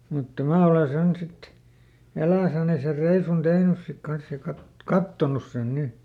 mutta minä olen sen sitten eläissäni sen reissun tehnyt sitten kanssa ja - katsonut sen niin